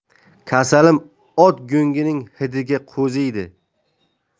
kasalim ot go'ngining hidiga qo'ziydi